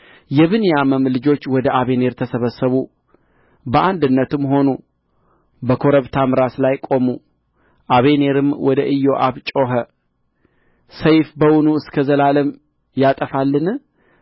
የብንያምም ልጆች ወደ አበኔር ተሰበሰቡ በአንድነትም ሆኑ በኮረብታም ራስ ላይ ቆሙ አበኔርም ወደ ኢዮአብ ጮኸ ሰይፍ በውኑ እስከ ዘላለም ያጠፋልን